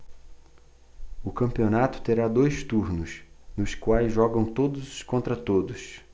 o campeonato terá dois turnos nos quais jogam todos contra todos